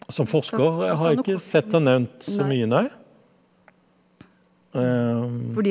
som forsker har jeg ikke sett han nevnt så mye nei .